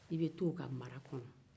i bɛ to o ka mara kɔnɔ